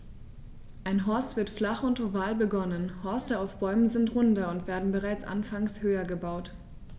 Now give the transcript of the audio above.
Ein Horst wird flach und oval begonnen, Horste auf Bäumen sind runder und werden bereits anfangs höher gebaut.